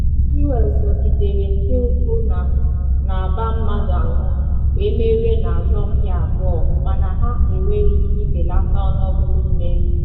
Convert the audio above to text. Ndị US zọgidere nke ukwuu na agba mmadụ anọ, wee merie na asompi abụọ, mana ha enweghị ike ibelata ọnụọgụ mmeri.